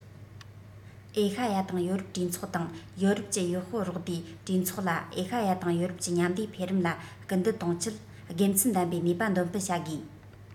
ཨེ ཤེ ཡ དང ཡོ རོབ གྲོས ཚོགས དང ཡོ རོབ ཀྱི དབྱི ཧུའེ རོགས ཟླའི གྲོས ཚོགས ལ ཨེ ཤེ ཡ དང ཡོ རོབ ཀྱི མཉམ ལས འཕེལ རིམ ལ སྐུལ འདེད གཏོང ཆེད དགེ མཚན ལྡན པའི ནུས པ འདོན སྤེལ བྱ དགོས